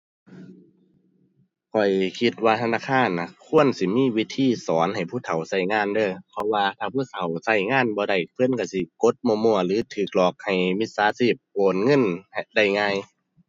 ข้อยคิดว่าธนาคารน่ะควรสิมีวิธีสอนให้ผู้เฒ่าใช้งานเด้อ เพราะว่าถ้าผู้เฒ่าใช้งานบ่ได้ เพิ่นใช้สิกดมั่วมั่วหรือใช้หลอกให้มิจฉาชีพโอนเงิน ได้ง่าย